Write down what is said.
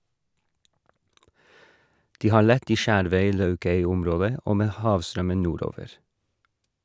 De har lett i Skjervøy-Laukøy-området, og med havstrømmen nordover.